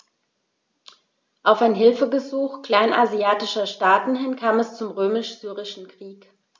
Auf ein Hilfegesuch kleinasiatischer Staaten hin kam es zum Römisch-Syrischen Krieg.